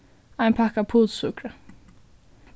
ein pakka av putursukri